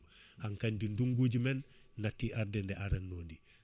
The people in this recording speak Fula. hankkandi ndugguji men natti arde nde aranno ndi